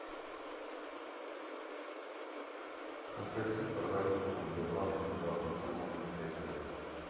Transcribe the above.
Խնդրեցի տղային, որ Երևանը, իմ կարծիքով, հենց էս է։